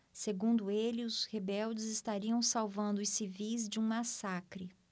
segundo ele os rebeldes estariam salvando os civis de um massacre